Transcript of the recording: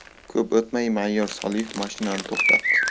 ko'p o'tmay mayor soliev mashinani to'xtatdi